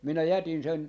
minä jätin sen